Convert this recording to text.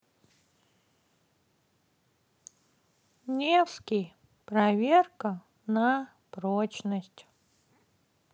невский проверка на прочность